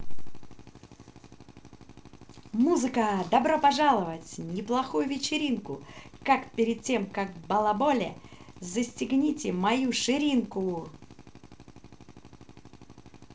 музыка добро пожаловать неплохую вечеринку как перед тем как балаболе застегните мою ширинку